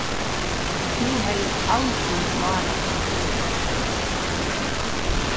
tú hevði aldrin klárað tað